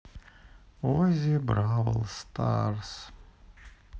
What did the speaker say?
оззи бравл старс